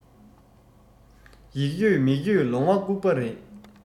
ཡིག ཡོད མིག ཡོད ལོང བ སྐུགས པ རེད